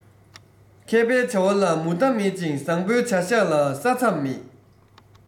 མཁས པའི བྱ བ ལ མུ མཐའ མེད ཅིང བཟང པོའི བྱ བཞག ལ ས མཚམས མེད